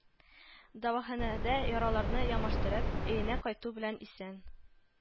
Дәваханәдә яраларны ямаштырып, өенә кайту белән исән